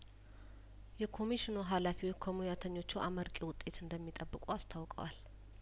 የኮሚሽኑ ሀላፊዎች ከሙያተኞቹ አመርቂ ውጤት እንደሚጠብቁ አስታውቀዋል